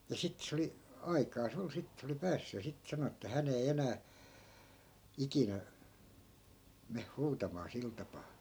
ja sitten se oli aikaansa oli sitten se oli päässyt ja sitten sanoi että hän ei enää ikinä mene huutamaan sillä tapaa